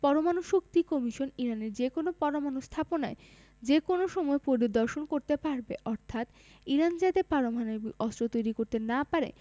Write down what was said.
পরমাণু শক্তি কমিশন ইরানের যেকোনো পরমাণু স্থাপনায় যেকোনো সময় পরিদর্শন করতে পারবে অর্থাৎ ইরান যাতে পারমাণবিক অস্ত্র তৈরি করতে না পারে